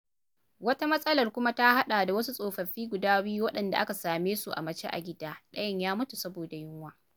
Wata matsalar kuma ta haɗa da wasu tsofaffi guda biyu waɗanda aka same su a mace a gida, ɗayan ya mutu saboda yunwa.